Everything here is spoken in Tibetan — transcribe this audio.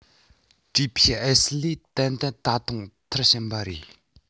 ལས ཏན ཏན ད དུང མཐར ཕྱིན པ རེད